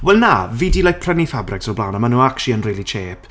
Wel na, fi 'di like prynu ffabrigs o'r blaen a ma' nhw actually yn really chep.